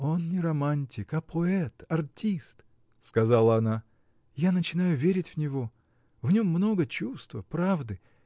— Он не романтик, а поэт, артист, — сказала она. — Я начинаю верить в него. В нем много чувства, правды.